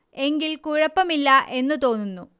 എങ്കിൽ കുഴപ്പമില്ല എന്നു തോന്നുന്നു